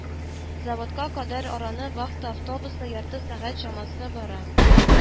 Заводка кадәр араны вахта автобусы ярты сәгать чамасы бара